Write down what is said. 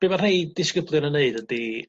be' ma' rhei disgyblion yn neud ydi